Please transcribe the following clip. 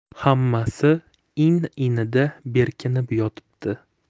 hammasi in inida berkinib yotibdi